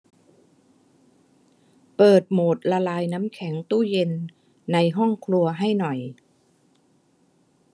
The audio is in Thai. เปิดโหมดละลายน้ำแข็งตู้เย็นในห้องครัวให้หน่อย